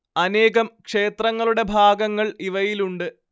അനേകം ക്ഷേത്രങ്ങളുടെ ഭാഗങ്ങൾ ഇവയിലുണ്ട്